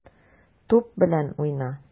Туп белән уйна.